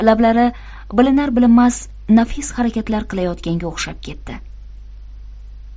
lablari bilinar bilinmas nafis harakatlar qilayotganga o'xshab ketdi